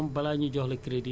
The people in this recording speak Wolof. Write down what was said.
parce que dafa bëri ay risques